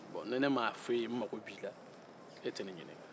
bɔn ni ne ma f'i ye n mako b'i la e tɛ ne ɲinin